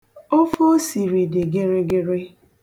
Ofe o siri dị gịrịgịrị.